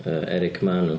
Eric Manu.